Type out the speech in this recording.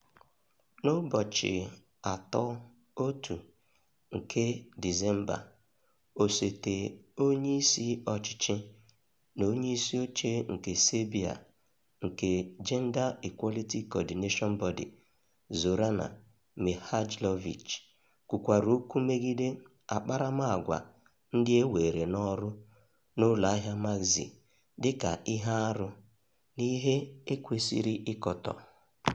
N'ụbọchị 31 nke December, Osote Onyeịsi Ọchịchị na Onyeisioche nke Serbia nke Gender Equality Coordination Body, Zorana Mihajlović, kwukwara okwu megide akparamaagwa ndị eweere n'ọrụ n'ụlọahịa Maxi dịka "ihe arụ na ihe e kwesịrị ịkọtọ.